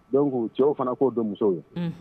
Dɔnku cɛw fana ko denmuso